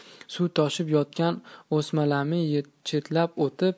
suv toshib yotgan o'smalami chetlab o'tib